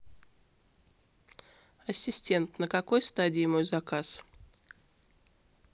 ассистент на какой стадии мой заказ